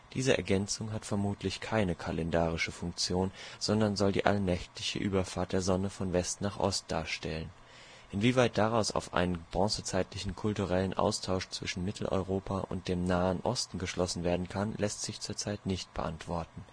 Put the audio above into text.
Diese Ergänzung hat vermutlich keine kalendarische Funktion, sondern soll die allnächtliche Überfahrt der Sonne von West nach Ost darstellen. Inwieweit daraus auf einen bronzezeitlichen kulturellen Austausch zwischen Mitteleuropa und dem Nahen Osten geschlossen werden kann, lässt sich zur Zeit nicht beantworten